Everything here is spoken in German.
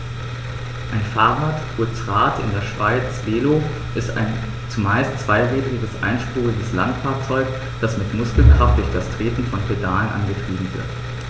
Ein Fahrrad, kurz Rad, in der Schweiz Velo, ist ein zumeist zweirädriges einspuriges Landfahrzeug, das mit Muskelkraft durch das Treten von Pedalen angetrieben wird.